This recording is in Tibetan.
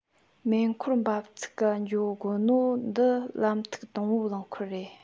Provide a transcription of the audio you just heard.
མེ འཁོར འབབ ཚིགས ག འགྱོ དགོ ནོ འདི ལམ ཐིག དང བོའི རླངས འཁོར རེད